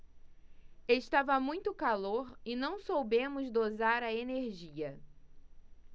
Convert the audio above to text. estava muito calor e não soubemos dosar a energia